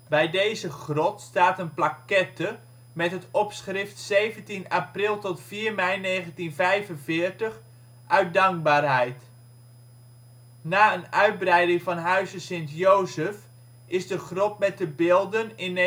Bij deze grot staat een plaquette met het opschrift ' 17 APRIL - 4 MEI 1945 UIT DANKBAARHEID '. Na een uitbreiding van Huize St.-Joseph is de grot met de beelden in 1985